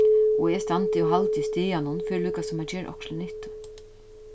og eg standi og haldi í stiganum fyri líkasum at gera okkurt til nyttu